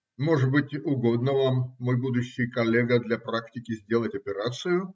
- Может быть, угодно вам, мой будущий коллега, для практики сделать операцию?